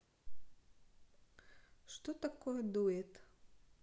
что такое дует